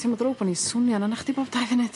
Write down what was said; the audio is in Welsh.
Timlo'n ddrwg bo' ni'n swnio arnoch chdi bob dau funud.